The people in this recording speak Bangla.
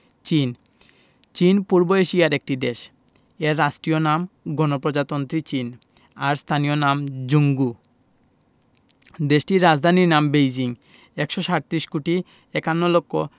চীনঃ চীন পূর্ব এশিয়ার একটি দেশ এর রাষ্ট্রীয় নাম গণপ্রজাতন্ত্রী চীন আর স্থানীয় নাম ঝুংঘু দেশটির রাজধানীর নাম বেইজিং ১৩৭ কোটি ৫১ লক্ষ